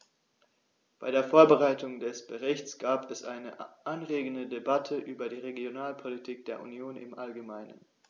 Bei der Vorbereitung des Berichts gab es eine anregende Debatte über die Regionalpolitik der Union im allgemeinen.